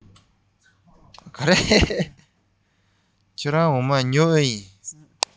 ཁྱེད རང འོ མ ཉོ གི ཡོད པས